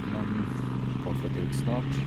Men jeg håper han flytter ut snart.